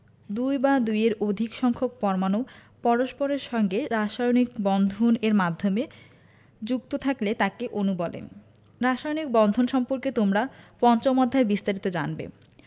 দুই বা দুইয়ের অধিক সংখ্যক পরমাণু পরস্পরের সঙ্গে রাসায়নিক বন্ধন এর মাধ্যমে যুক্ত থাকলে তাকে অণু বলে রাসায়নিক বন্ধন সম্পর্কে তোমরা পঞ্চম অধ্যায়ে বিস্তারিত জানবে